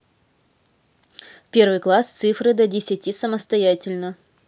первый класс цифры до десяти самостоятельно